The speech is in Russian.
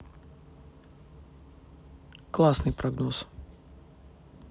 классный прогноз